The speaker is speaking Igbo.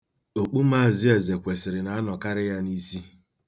Okpu Mz. Ezekwesịlị na-anọkarị ya n'isi.